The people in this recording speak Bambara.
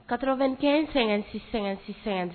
Katokɛ in sɛgɛn- sɛgɛn- sɛgɛn